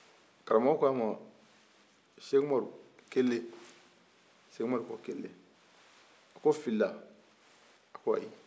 karamɔgɔ k'a ma sɛkumaru kelen sɛkumaru ko kelen a ko fila sɛkumaru ko ayi